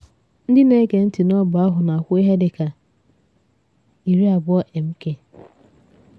Ndị na-ege ntị n’ogbe ahụ na-akwụ ihe dị ka MK20.